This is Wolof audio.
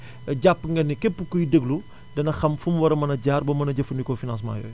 jàpp nga ne képp kuy déglu dana xam fu mu war a mën a jaar ba mën a jafandikoo financements yooyu